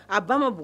A ba maug